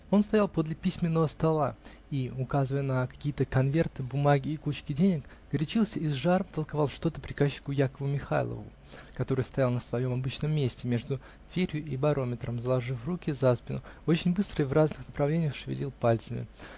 Он стоял подле письменного стола и, указывая на какие-то конверты, бумаги и кучки денег, горячился и с жаром толковал что-то приказчику Якову Михайлову, который, стоя на своем обычном месте, между дверью и барометром, заложив руки за спину, очень быстро и в разных направлениях шевелил пальцами.